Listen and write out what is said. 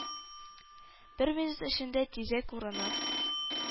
Бер минут эчендә тизәк урыны,